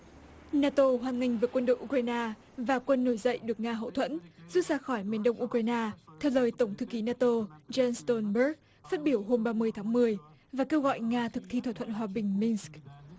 na tô hoan nghênh việc quân đội u cờ roai na và quân nổi dậy được nga hậu thuẫn rút ra khỏi miền đông u cờ roai na theo lời tổng thư ký na tô gien tồn bớt phát biểu hôm ba mươi tháng mười và kêu gọi nga thực thi thỏa thuận hòa bình min